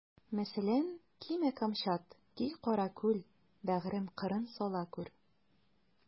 Мәсәлән: Кимә камчат, ки каракүл, бәгърем, кырын сала күр.